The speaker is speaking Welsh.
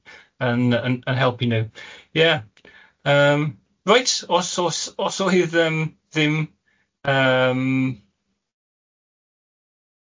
yn yn yn helpu nhw. Ie, yym... Reit os os os oedd yym ddim yym